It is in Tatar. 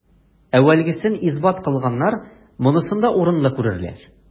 Әүвәлгесен исбат кылганнар монысын да урынлы күрерләр.